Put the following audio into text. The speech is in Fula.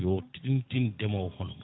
yo tintin ndemowo hono makko